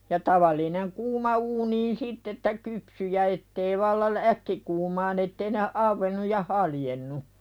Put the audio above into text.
ja tavallinen kuuma uuniin sitten että kypsyi ja että ei vallan - äkkikuumaan että ei ne auennut ja haljennut